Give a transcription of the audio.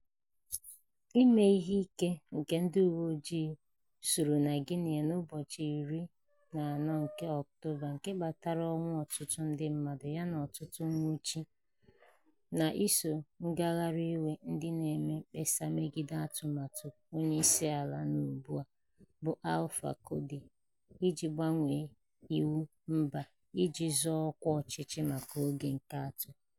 Ime ihe ike nke ndị uwe ojii suru na Guinea n'ụbọchị 14 nke Ọktoba, nke kpatara ọnwu ọtụtụ ndị mmadụ yana ọtụtụ nnwụchi, n'iso ngagharị iwe ndị na-eme mkpesa megide atụmatụ onyeisiala nọ ugbu a bụ Alpha Condé iji gbanwee iwu mba iji zọọ ọkwa ọchịchị maka oge nke atọ.